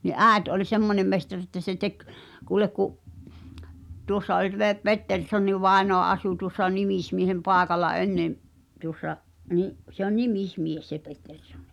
niin äiti oli semmoinen mestari että se teki kuule kun tuossa oli - Petterssonin vainaja asui tuossa nimismiehen paikalla ennen tuossa niin se on nimismies se Pettersson